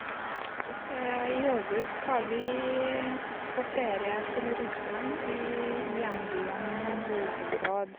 I august skal vi på ferie til Russland, i hjembyen min Volgograd.